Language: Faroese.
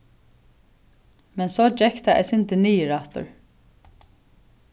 men so gekk tað eitt sindur niður aftur